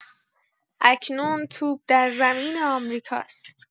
اکنون توپ در زمین آمریکاست.